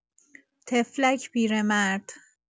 طفلک پیرمرد